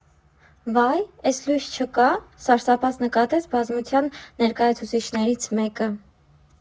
Վայ, էս լույս չկա՞, ֊ սարսափած նկատեց բազմության ներկայացուցիչներից մեկը։